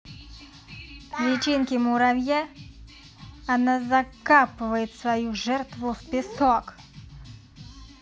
личинки муравья она закапывает свою жертву в песок